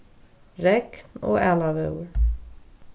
regn og ælaveður